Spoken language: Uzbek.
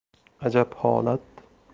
ajab holat